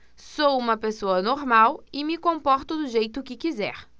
sou homossexual e me comporto do jeito que quiser